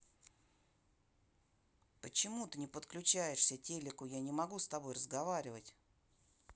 почему ты не подключаешься телеку я не могу с тобой разговорить